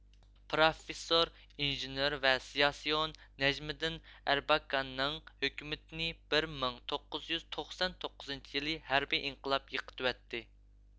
پىراففىسور ئىنژېنېر ۋە سىياسىيون نەجمىدىن ئەربەكاننىڭ ھۆكۈمىتىنى بىر مىڭ توققۇز يۈز توقسان توققۇزىنچى يىلى ھەربىي ئىنقىلاب يىقىتىۋەتتى